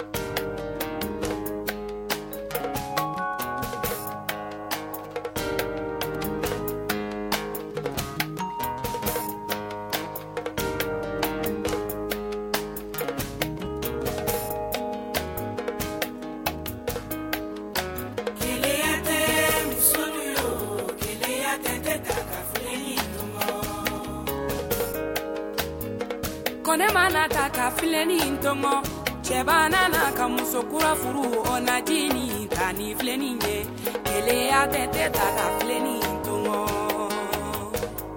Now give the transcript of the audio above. San kelen tɛ muso gɛlɛya tɛ tɛ filɛ ko nema na' ka fiin tɔmɔ cɛba na ka musokura furu ot tan ni fiin ye gɛlɛya tɛ tɛ ta fiin tɔɔrɔ